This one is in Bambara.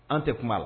An tɛ kuma la